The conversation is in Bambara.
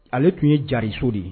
Ale tun ye Jariso de ye.